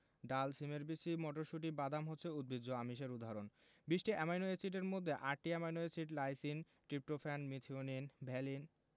ডাল শিমের বিচি মটরশুঁটি বাদাম হচ্ছে উদ্ভিজ্জ আমিষের উদাহরণ ২০টি অ্যামাইনো এসিডের মধ্যে ৮টি amino acid lysine tryptophan methionine valine